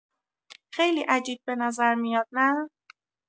خیلی عجیب به نظر میاد، نه؟